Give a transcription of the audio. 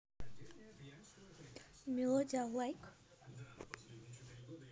мелодия like